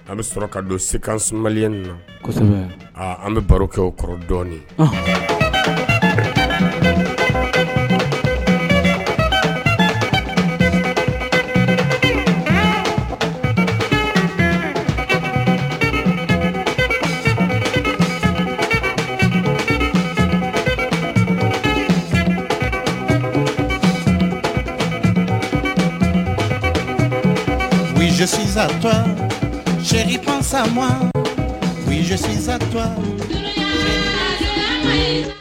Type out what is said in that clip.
An bɛ sɔrɔ ka don ses na an bɛ baro kɛ o kɔrɔ dɔɔninɔnizsinsan cɛ san ma wz sinsan